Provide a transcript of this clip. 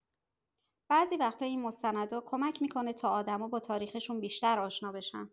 بعضی وقتا این مستندا کمک می‌کنه تا آدما با تاریخشون بیشتر آشنا بشن.